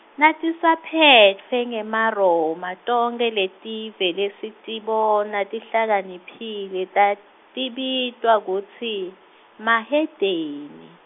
natisaphetfwe ngeMaroma tonkhe letive lesitibona tihlakaniphile tatibitwa kutsi, mahedeni.